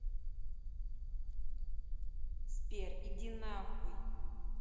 сбер иди на хуй